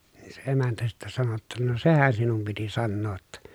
niin se emäntä sitten sanoi jotta no sehän sinun piti sanoa jotta